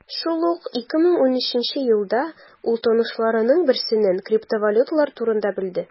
Шул ук 2013 елда ул танышларының берсеннән криптовалюталар турында белде.